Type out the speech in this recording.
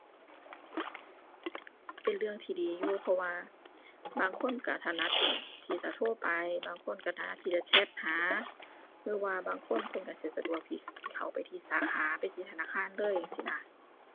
เป็นเรื่องที่ดีอยู่ เพราะว่าบางคนก็ถนัดที่จะโทรไป บางคนก็ถนัดที่จะแชตหา หรือว่าบางคนเพิ่นก็สิสะดวกที่ สิเข้าไปที่สาขา ไปที่ธนาคารเลยจั่งซี้น่ะ